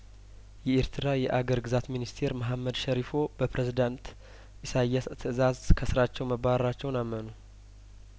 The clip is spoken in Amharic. የኤርትራ የአገር ግዛት ሚኒስቴር መሀመድ ሸሪፎ በፕሬዝዳንት ኢሳያስ ትእዛዝ ከስራቸው መባረራቸውን አመኑ